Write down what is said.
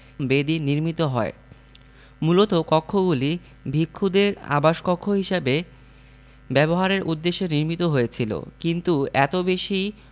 বেদি নির্মিত হয় মূলত কক্ষগুলি ভিক্ষুদের আবাসকক্ষ হিসেবে ব্যবহারের উদ্দেশ্যে নির্মিত হয়েছিল কিন্তু এত বেশি